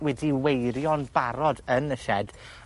wedi weirio'n barod yn y sied